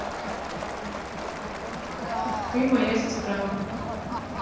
ты моя сестра